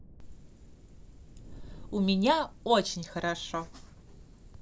у меня очень хорошо